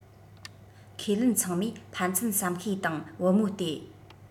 ཁས ལེན ཚང མས ཕན ཚུན བསམ ཤེས དང བུ མོ སྟེ